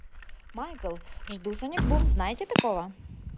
майкл жду sonic boom знаете такого